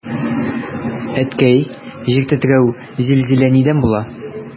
Әткәй, җир тетрәү, зилзилә нидән була?